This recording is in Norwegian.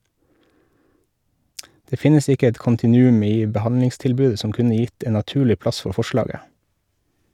Det finnes ikke et kontinuum i behandlingstilbudet som kunne gitt en naturlig plass for forslaget.